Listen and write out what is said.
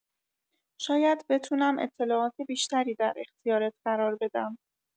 شاید بتونم اطلاعات بیشتری در اختیارت قرار بدم.